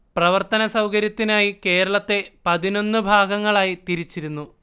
പ്രവർത്തന സൗകര്യത്തിനായി കേരളത്തെ പതിനൊന്നും ഭാഗങ്ങളായി തിരിച്ചിരുന്നു